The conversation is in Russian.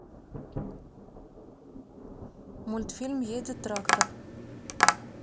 мультфильм едет трактор